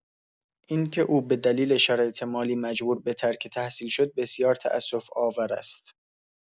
اینکه او به دلیل شرایط مالی مجبور به ترک تحصیل شد، بسیار تأسف‌آور است.